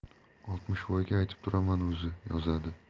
oltmishvoyga aytib turaman o'zi yozadi